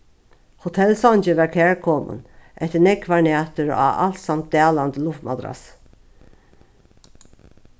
hotellsongin var kærkomin eftir nógvar nætur á alsamt dalandi luftmadrassu